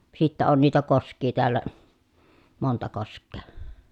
sitten on niitä koskia täällä monta koskea